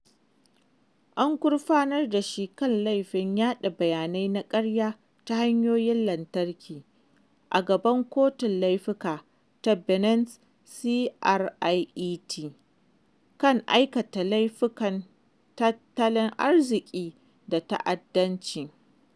An gurfanar da shi kan laifin “yaɗa bayanai na ƙarya ta hanyoyin lantarki” a gaban kotun laifuka ta Benin’s CRIET kan aikata laifukan tattalin arziƙi da ta’addanci.